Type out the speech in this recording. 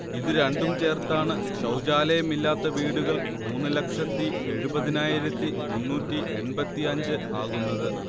ഇതു രണ്ടും ചേർത്താണ് ശൗചാലയം ഇല്ലാത്ത വീടുകൾ മൂന്ന് ലക്ഷത്തി എഴുപത്തിനായിരത്തി മുന്നൂറ്റി എൺപത്തി അഞ്ച് ആകുന്നത്